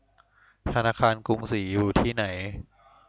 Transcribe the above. ธนาคารกรุงศรีอยู่ที่ไหน